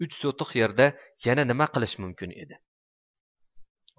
uch sotix yerda yana nima qilish mumkin edi